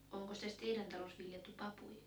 onkos tässä teidän talossa viljelty papuja